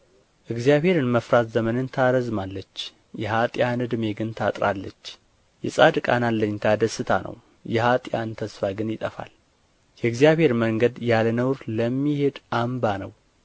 እግዚአብሔርን መፍራት ዘመንን ታረዝማለች የኀጥኣን ዕድሜ ግን ታጥራለች የጻድቃን አለኝታ ደስታ ነው የኀጥኣን ተስፋ ግን ይጠፋል የእግዚአብሔር መንገድ ያለ ነውር ለሚሄድ አምባ ነው